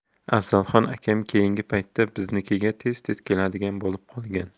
afzalxon akam keyingi paytda biznikiga tez tez keladigan bo'lib qolgan